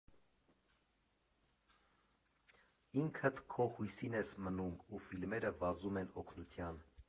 Ինքդ քո հույսին ես մնում, ու ֆիլմերը վազում են օգնության։